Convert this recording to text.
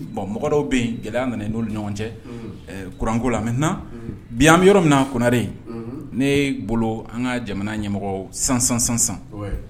Bon mɔgɔdɔ bɛ gɛlɛya nana n'oolu ɲɔgɔn cɛ kuranko la bi an bɛ yɔrɔ min konare ne bolo an ka jamana ɲɛmɔgɔ sansan sansan